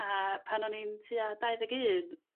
A pan o'n i'n tua dau ddeg un,